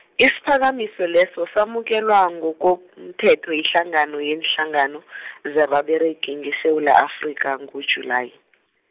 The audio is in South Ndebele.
isiphakamiso leso samukelwa ngokomthetho yihlangano yeenhlangano , zababeregi ngeSewula Afrika ngoJulayi.